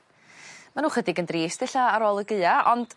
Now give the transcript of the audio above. Ma' nw chydig yn drist ella ar ôl y Gaea ond